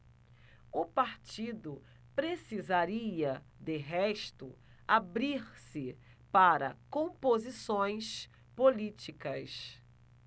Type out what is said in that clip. o partido precisaria de resto abrir-se para composições políticas